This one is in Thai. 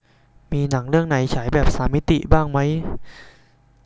มีหนังเรื่องไหนฉายแบบสามมิติบ้างมั้ย